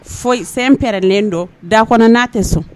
Fɛnpɛrɛnnenlen don da kɔnɔ n'a tɛ sɔn